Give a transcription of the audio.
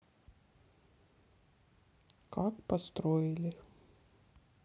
как построили